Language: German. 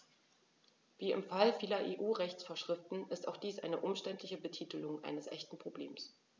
Wie im Fall vieler EU-Rechtsvorschriften ist auch dies eine umständliche Betitelung eines echten Problems.